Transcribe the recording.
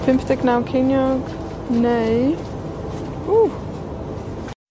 Pump deg naw ceiniog, neu, ww!